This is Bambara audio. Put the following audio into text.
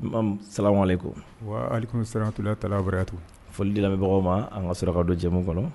N sawalelen kɔ wa ali siratula taruyayatu fɔlimibagaw ma an ka suka don jɛmu kɔnɔ